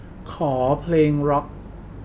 ขอเพลงร็อค